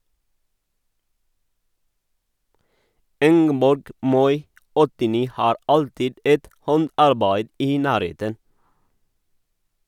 Ingeborg Moi (89) har alltid et håndarbeid i nærheten.